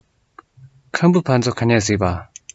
ཁམ བུ ཕ ཚོ ག ནས གཟིགས པ